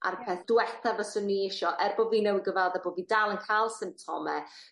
A'r peth dwetha fyswn i isio er bo' fi newy' gyfadde bo' fi dal yn ca'l symptome